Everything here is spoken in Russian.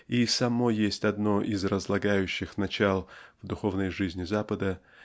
но и само есть одно из разлагающих начал в духовной жизни Запада